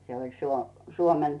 se oli - Suomen